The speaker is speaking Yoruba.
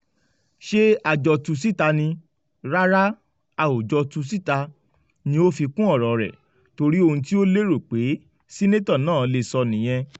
Ṣé a jọ tu síta ni...Rárá, a ò jọ tu síta,” ni ó fi kún ọ̀rọ̀ ẹ̀, torí ohun tí ó lérò pé Sínátọ̀ náà lè sọ nìyẹn.